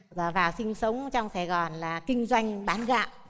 và sinh sống trong sài gòn là kinh doanh bán gạo